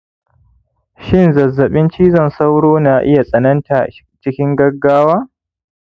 shin zazzaɓin cizon sauro na iya tsananta cikin gaggawa